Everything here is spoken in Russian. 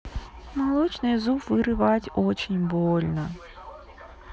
молочный зуб вырывать очень больно